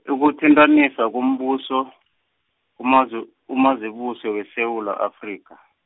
ukuthintanisa kombuso, UMazi- uMazibuse weSewula Afrika.